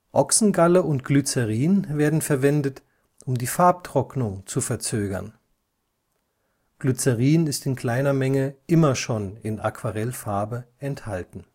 Ochsengalle und Glycerin werden verwendet, um die Farbtrocknung zu verzögern (Glycerin ist in kleiner Menge immer schon in Aquarellfarbe enthalten